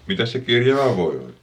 mitäs se kirjava voi oli